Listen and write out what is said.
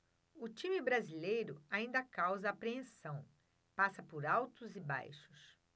o time brasileiro ainda causa apreensão passa por altos e baixos